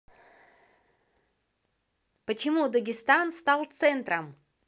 почему дагестан стал центром